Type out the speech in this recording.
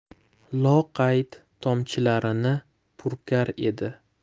loqayd tomchilarini purkar edi